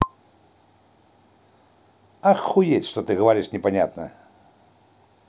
ахуеть что ты говоришь непонятно